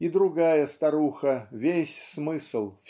и другая старуха весь смысл